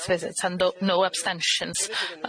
sight visits and no- no abstentions.